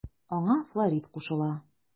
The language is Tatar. Аңа Флорид кушыла.